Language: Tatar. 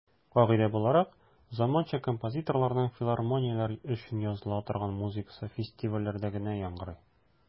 Кагыйдә буларак, заманча композиторларның филармонияләр өчен языла торган музыкасы фестивальләрдә генә яңгырый.